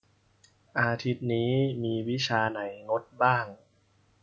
อาทิตย์นี้มีวิชาไหนงดบ้าง